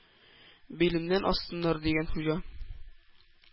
Билемнән ассыннар,— дигән Хуҗа.